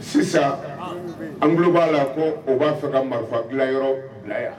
Sisan an bolo b'a la ko o b'a fɛ ka marifa bila yɔrɔ bila yan